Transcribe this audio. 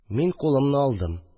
Мин кулымны алдым